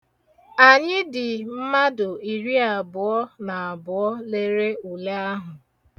Anyị dị mmadụ iriabụọ na abụọ lere ule ahụ.